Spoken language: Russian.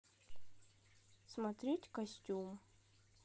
смотреть костюм